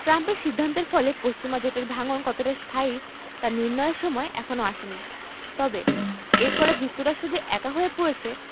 ট্রাম্পের সিদ্ধান্তের ফলে পশ্চিমা জোটের ভাঙন কতটা স্থায়ী তা নির্ণয়ের সময় এখনো আসেনি তবে এর ফলে যুক্তরাষ্ট্র যে একা হয়ে পড়েছে